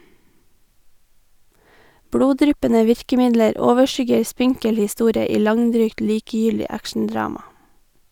Bloddryppende virkemidler overskygger spinkel historie i langdrygt, likegyldig actiondrama.